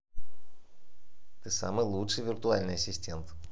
ты самый лучший виртуальный ассистент